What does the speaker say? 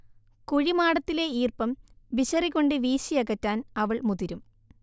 കുഴിമാടത്തിലെ ഈർപ്പം വിശറികൊണ്ട് വീശിയകറ്റാൻ അവൾ മുതിരും